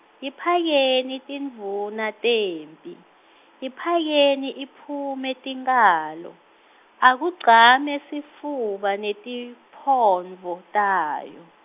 yiphakeni tindvuna temphi, yiphakeni iphume tinkhalo, akugcame sifuba netimphondvo tayo.